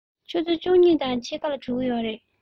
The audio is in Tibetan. ཆུ ཚོད བཅུ གཉིས དང ཕྱེད ཀར གྲོལ གྱི རེད